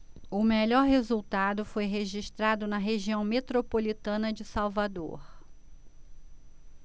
o melhor resultado foi registrado na região metropolitana de salvador